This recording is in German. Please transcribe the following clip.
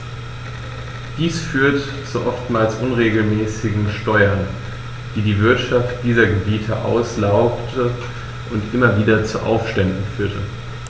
Dies führte zu oftmals unmäßigen Steuern, die die Wirtschaft dieser Gebiete auslaugte und immer wieder zu Aufständen führte.